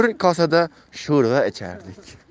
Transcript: bir kosada sho'rva ichardik